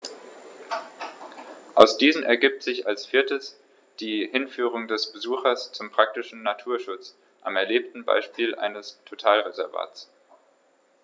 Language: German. Aus diesen ergibt sich als viertes die Hinführung des Besuchers zum praktischen Naturschutz am erlebten Beispiel eines Totalreservats.